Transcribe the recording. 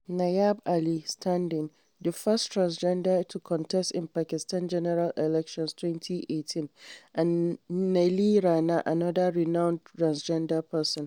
Nayaab Ali (standing), the first transgender to contest in the Pakistan general elections 2018, and Neeli Rana, another renowned transgender person.